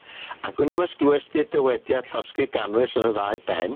Ag wn i'm os glwes di'r dywediad llosgi'r ganwyll yn y ddau ben.